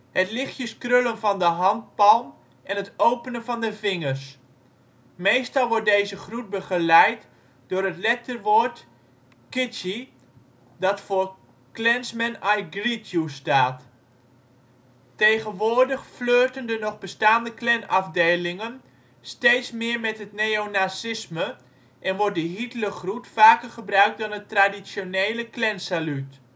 het lichtjes krullen van de handpalm en het openen van de vingers. Meestal wordt deze groet begeleid door het letterwoord KIGY dat voor Klansman, I Greet You staat. Tegenwoordig flirten de nog bestaande Klanafdelingen steeds meer met het neonazisme en wordt de Hitlergroet vaker gebruikt dan het traditionele Klansaluut